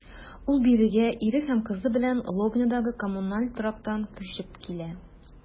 Ул бирегә ире һәм кызы белән Лобнядагы коммуналь торактан күчеп килә.